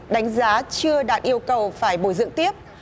đánh giá chưa đạt yêu cầu phải bồi dưỡng tiếp